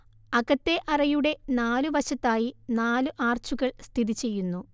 അകത്തേ അറയുടെ നാലു വശത്തായി നാലു ആർച്ചുകൾ സ്ഥിതി ചെയ്യുന്നു